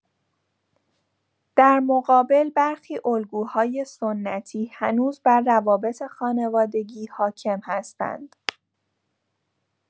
در مقابل، برخی الگوهای سنتی هنوز بر روابط خانوادگی حاکم هستند.